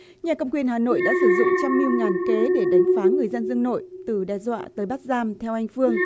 nhà cầm quyền hà nội đã sử dụng trăm mưu ngàn kế để đánh phá người dân dương nội từ đe dọa tới bắt giam theo anh phương